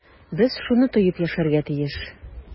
Без шуны тоеп яшәргә тиеш.